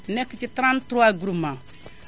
nekk ci 33 groupements